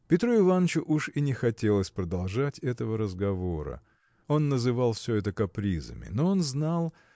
Петру Иванычу уж и не хотелось продолжать этого разговора. Он называл все это капризами но он знал